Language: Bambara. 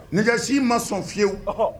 Nɛgɛsi ma sɔn fiyewu